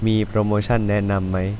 มีโปรโมชั่นแนะนำไหม